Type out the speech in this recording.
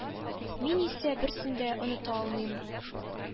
Мин исә берсен дә оныта алмыйм,